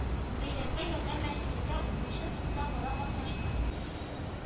Бәйрәмдә Ярдәм мәчетендә укучы туксан бала катнашты